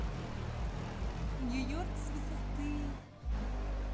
нью йорк с высоты